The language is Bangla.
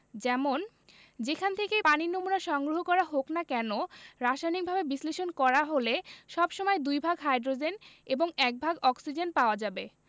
যেমন যেখান থেকেই পানির নমুনা সংগ্রহ করা হোক না কেন রাসায়নিকভাবে বিশ্লেষণ করা হলে সবসময় দুই ভাগ হাইড্রোজেন এবং একভাগ অক্সিজেন পাওয়া যাবে